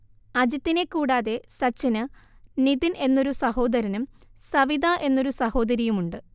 അജിത്തിനെ കൂടാതെ സച്ചിന് നിതിൻ എന്നൊരു സഹോദരനും സവിത എന്നൊരു സഹോദരിയുമുണ്ട്